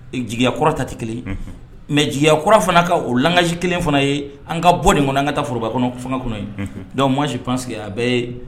Jigiya kɔrɔ ta tɛ kelen mɛya kɔrɔ fana ka o lakasi kelen fana ye an ka bɔ nin kɔnɔ an ka taa foroba kɔnɔ fanga kɔnɔ ye dɔw masi pansigi a bɛɛ ye